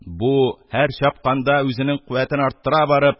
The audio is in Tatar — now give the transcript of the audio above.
Бу, һәр чапканда үзенең куәтен арттыра барып,